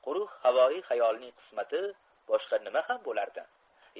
quruq havoyi hayolning qismati boshqa nima ham bo'lardi